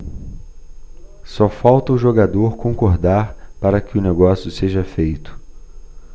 só falta o jogador concordar para que o negócio seja feito